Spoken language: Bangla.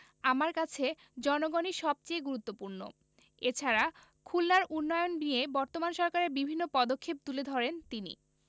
আমার কাছে জনগণই সবচেয়ে গুরুত্বপূর্ণ এছাড়া খুলনার উন্নয়ন নিয়ে বর্তমান সরকারের বিভিন্ন পদক্ষেপ তুলে ধরেন তিনি